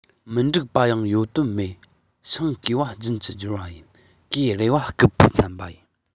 མི འགྲིག པ ཡང ཡོང དོན མེད ཤིང གས པ སྤྱིན གྱིས སྦྱར བ ཡིན གོས རལ པ སྐུད པས འཚེམ པ ཡིན